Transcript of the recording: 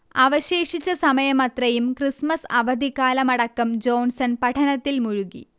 അവശേഷിച്ച സമയമത്രയും ക്രിസ്മസ് അവധിക്കാലമടക്കം ജോൺസൺ പഠനത്തിൽ മുഴുകി